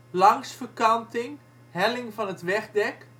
Langsverkanting (helling) van het wegdek